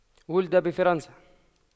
ولد بفرنسا